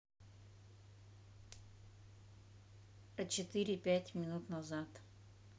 а четыре пять минут назад